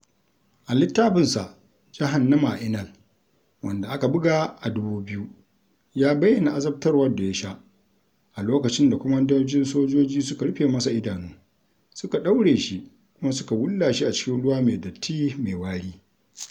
A littafinsa "Jahannama a Inal" wanda aka buga a 2000, ya bayyana azabtarwa da ya sha, a lokacin da kwamandojin sojoji suka rufe masa idanu, suka ɗaure shi, kuma suka wulla shi a cikin ruwa mai datti mai wari.